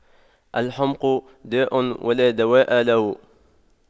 الحُمْقُ داء ولا دواء له